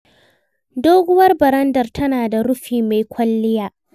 Doguwar barandar tana da rufi mai kwalliya.